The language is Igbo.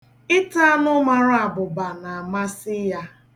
Ịta anụ mara abụba na-amasị ya.